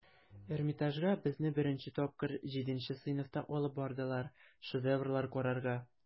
Эрмитажга безне беренче тапкыр җиденче сыйныфта алып бардылар, шедеврлар карарга.